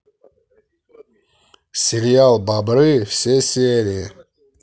сериал бобры все серии